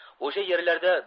o'sha yerlarda